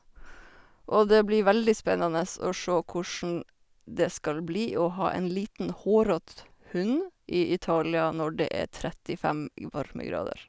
Og det blir veldig spennede å sjå kossjn det skal bli å ha en liten hårete hund i Italia når det er trettifem varmegrader.